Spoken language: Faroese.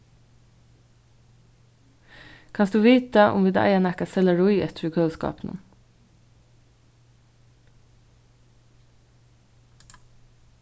kanst tú vita um vit eiga nakað sellarí eftir í køliskápinum